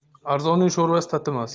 arzonning sho'rvasi tatimas